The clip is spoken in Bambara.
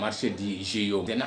Mari se di siyo tɛ